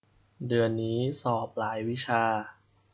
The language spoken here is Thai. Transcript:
เดือนนี้สอบหลายวิชา